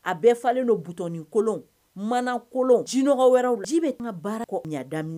A bɛɛ falenlen don butkolon mana kolon jinɛɲɔgɔnɔgɔ wɛrɛ ji bɛ kan ka baarakɔ ɲadamin